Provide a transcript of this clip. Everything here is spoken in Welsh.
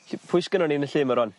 'Lly pwy sgynnon ni yn ll ma' rŵan?